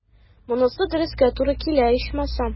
Монысы дөрескә туры килә, ичмасам.